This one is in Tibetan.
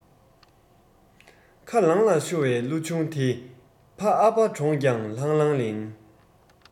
ཁ ལངས ལ ཤོར བའི གླུ ཆུང དེ ཕ ཨ ཕ གྲོངས ཡང ལྷང ལྷང ལེན